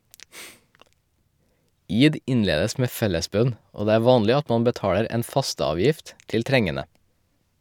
Id innledes med fellesbønn, og det er vanlig at man betaler en fasteavgift til trengende.